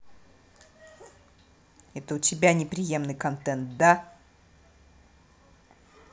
это у тебя неприемный контент да